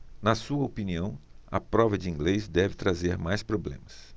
na sua opinião a prova de inglês deve trazer mais problemas